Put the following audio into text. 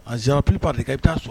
Az ppipri k ka bɛ t taaa sɔrɔ